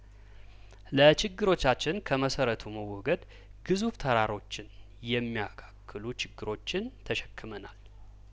ለችግሮቻችን ከመሰረቱ መወገድ ግዙፍ ተራሮችን የሚያካክሉ ችግሮችን ተሸክመናል